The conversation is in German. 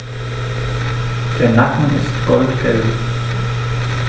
Der Nacken ist goldgelb.